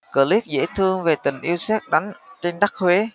clip dễ thương về tình yêu sét đánh trên đất huế